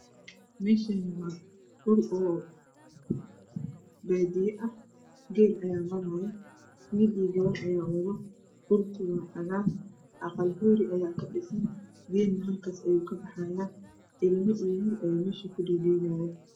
Meeshaan waa qof baadiyo ah geel ayaa maraayo wiil iyo gabar ayaa wadaayo. Dhulkana waa cagaar. Aqal ayaa kadhisan wiil iyo ilmo ayaa agtiisa kudheelaayo.